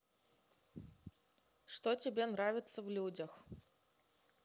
что тебе нравится в людях